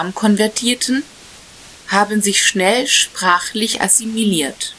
konvertierten, haben sich schnell sprachlich assimiliert